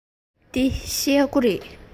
འདི ཤེལ སྒོ རེད